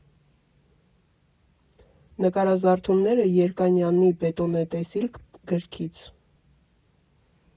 Նկարազարդումները՝ Երկանյանի «Բետոնե տեսիլք» գրքից։